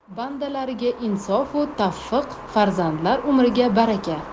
bandalariga insofu tavfiq farzandlar umriga baraka